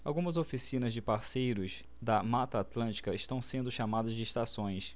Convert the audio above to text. algumas oficinas de parceiros da mata atlântica estão sendo chamadas de estações